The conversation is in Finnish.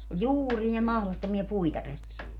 oli juuria mahdottomia puita repi